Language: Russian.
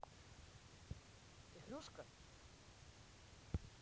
ты хрюшка